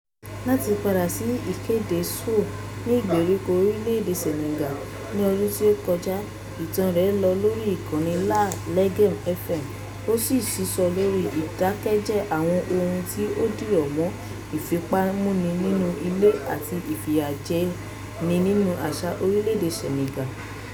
Láti padà sí ìkéde Sow ní ìgbèríko orílẹ̀ èdè Senegal ní ọdún tí ó kọjá: ìtàn rẹ̀ lọ lórí ìkànnì La Laghem FM, ó sì sísọ lórí ìdákẹ́jẹ́ àwọn ohun tí o dìrọ̀ mọ́ ìfipámúni nínú ilé àti ìfìyàjẹni nínú àṣà orílẹ̀ èdè Senegal.